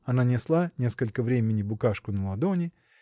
Она несла несколько времени букашку на ладони